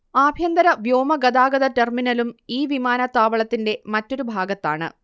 ആഭ്യന്തര വ്യോമഗതാഗത ടെർമിനലും ഈ വിമാനത്താവളത്തിന്റെ മറ്റൊരു ഭാഗത്താണ്